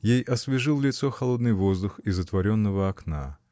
Ей освежил лицо холодный воздух из отворенного окна.